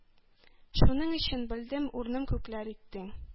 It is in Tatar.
Шуның өчен, белдем, урным күкләр иттең.